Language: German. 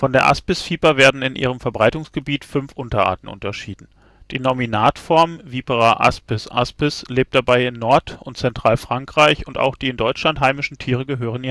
der Aspisviper werden in ihrem Verbreitungsgebiet fünf Unterarten unterschieden. Die Nominatform Vipera aspis aspis lebt dabei in Nord - und Zentralfrankreich und auch die in Deutschland heimischen Tiere gehören